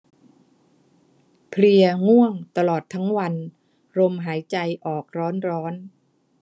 เพลียง่วงตลอดทั้งวันลมหายใจออกร้อนร้อน